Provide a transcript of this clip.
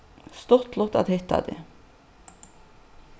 stuttligt at hitta teg